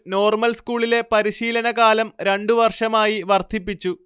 normal സ്കൂളിലെ പരിശീലനകാലം രണ്ടു വർഷമായി വർധിപ്പിച്ചു